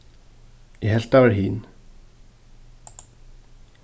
eg helt tað var hin